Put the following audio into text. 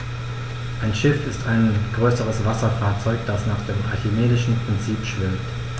Ein Schiff ist ein größeres Wasserfahrzeug, das nach dem archimedischen Prinzip schwimmt.